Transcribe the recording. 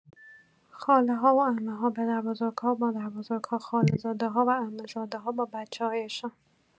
خاله‌ها و عمه‌ها، پدربزرگ‌ها و مادربزرگ‌ها، خاله‌زاده‌ها و عمه‌زاده‌ها با بچه‌هایشان